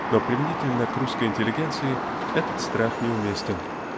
Но применительно к русской интеллигенции этот страх неуместен.